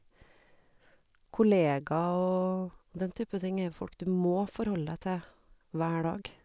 Kolleger og den type ting er jo folk du må forholde deg til hver dag.